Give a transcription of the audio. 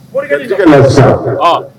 Mori tɛ sisan